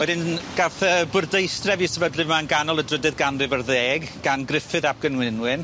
Wedyn gath yy bwrdeistref 'i sefydlu yma yn ganol y drydydd ganrif ar ddeg gan Gruffydd ap Gynwynwyn.